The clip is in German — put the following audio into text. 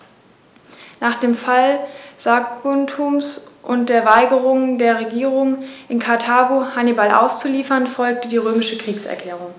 Nach dem Fall Saguntums und der Weigerung der Regierung in Karthago, Hannibal auszuliefern, folgte die römische Kriegserklärung.